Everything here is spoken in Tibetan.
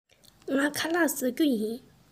ངས ཁ ལག བཟས མེད